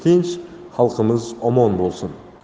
tinch xalqimiz omon bo'lsin